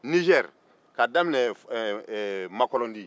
nigɛri k'a daminɛ ɛɛ makɔlɔndi